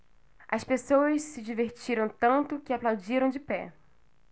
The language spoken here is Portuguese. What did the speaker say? as pessoas se divertiram tanto que aplaudiram de pé